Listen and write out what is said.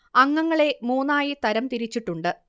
അംഗങ്ങളെ മൂന്നായി തരംതിരിച്ചിട്ടുണ്ട്